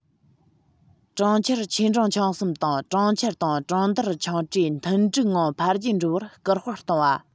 གྲོང ཁྱེར ཆེ འབྲིང ཆུང གསུམ དང གྲོང ཁྱེར དང གྲོང རྡལ ཆུང གྲས མཐུན འགྲིག ངང འཕེལ རྒྱས འགྲོ བར སྐུལ སྤེལ གཏོང བ